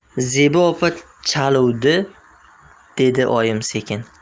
zebi opa chaluvdi dedi oyim sekin